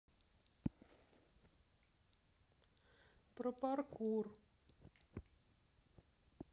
про паркур